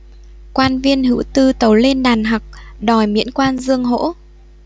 quan viên hữu tư tấu lên đàn hặc đòi miễn quan dương hỗ